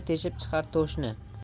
teshib chiqar to'shni